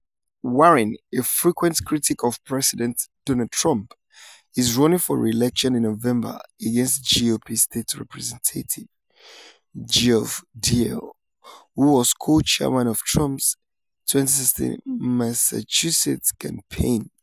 Warren, a frequent critic of President Donald Trump, is running for re-election in November against GOP state Rep. Geoff Diehl, who was co-chairman of Trump's 2016 Massachusetts campaign.